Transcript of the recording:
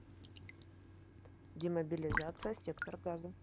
демобилизация сектор газа